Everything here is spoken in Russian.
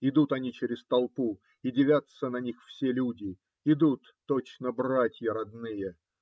Идут они через толпу, и дивятся на них все люди: идут точно братья родные.